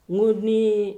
N ko ni